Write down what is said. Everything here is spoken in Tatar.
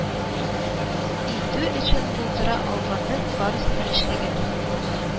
Итү өчен булдыра алганның барысын да эшләгән